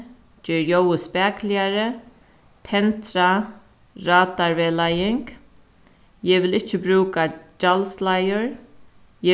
ger ljóðið spakuligari tendra radarvegleiðing eg vil ikki brúka gjaldsleiðir